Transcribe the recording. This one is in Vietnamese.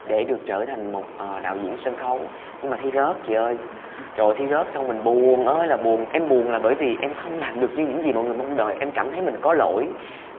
để được trở thành một ờ đạo diễn sân khấu nhưng mà thi rớt chị ơi rồi thi rớt xong mình buồn ơi là buồn em buồn là bởi vì em không làm được như những gì mọi người mong đợi em cảm thấy mình có lỗi